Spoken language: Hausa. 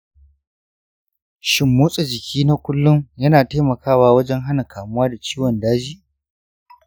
shin motsa jiki na kullum yana taimakawa wajen hana kamuwa da ciwon daji?